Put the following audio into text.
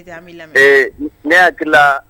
An bi lamɛn. Ee ne hakila